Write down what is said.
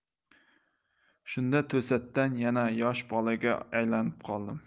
shunda to'satdan yana yosh bolaga aylanib qoldim